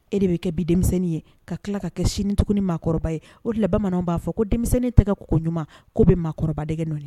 E de bɛ kɛ bi denmisɛnnin ye ka tila ka kɛ sini tugun ni ye o la bamananw b'a fɔ ko denmisɛnnin tɛgɛ koɲuman ko bɛ maa dɛgɛ nɔ